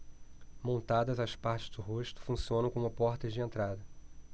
montadas as partes do rosto funcionam como portas de entrada